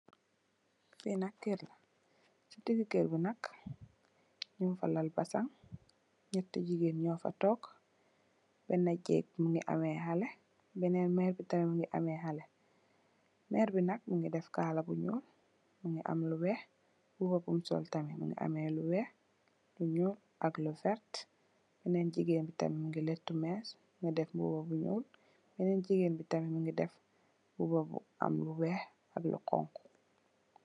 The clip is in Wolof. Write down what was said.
fi Nak keer la ci digi ker bi nak nyung fa Lal basang nyenti jigeen nyofa tog bena jeeg mungi ameh haleh benen merr bi tamit mungi ameh haleh merr bi nak mungi def Kala bu nyool mungi ameh lu weex mbuba bum sol tamit mungi ameh lu weex lu nyool ak lu veert benen jigeen tamit mungi letu mees mungi def mbuba bu Nyool benen jigeen tamit mungi def mbuba bu am lu weex ak lu xonxu